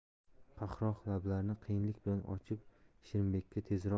qaqroq lablarini qiyinlik bilan ochib sherimbekka tezroq